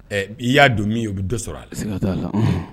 ƐƐ ii y'a don min ye o bi dɔ sɔrɔ a la sikata la ɔnhɔn